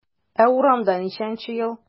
Ә урамда ничәнче ел?